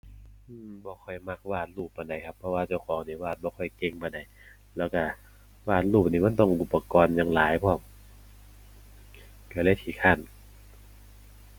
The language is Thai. อือ บ่ค่อยมักวาดรูปปานใดครับ เพราะว่าเจ้าของนี่วาดบ่ค่อยเก่งปานใด แล้วก็วาดรูปนี่มันต้องอุปกรณ์หยังหลายพร้อม ก็เลยขี้คร้าน